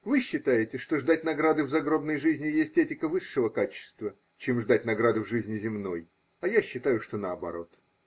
Вы считаете, что ждать награды в загробной жизни есть этика высшего качества, чем ждать награды в жизни земной, а я считаю, что наоборот.